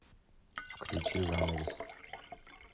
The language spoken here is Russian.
включи эванесенс